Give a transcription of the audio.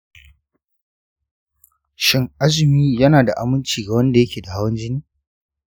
shin, azumi yana da aminci ga wanda ke da hawan jini?